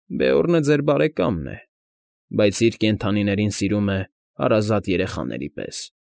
Բեորնը ձեր բարեկամն է, բայց իր կենդանիներին սիրում է հարազատ երեխաների պես։